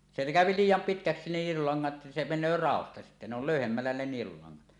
se käy liian pitkäksi nielulangat se menee raosta sitten ne oli löyhemmällä ne nielulangat